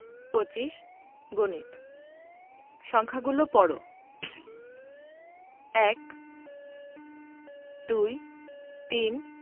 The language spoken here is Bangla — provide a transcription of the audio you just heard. ২৫ গণিত সংখ্যাগুলো পড় ১ এক ২ দুই ৩ তিন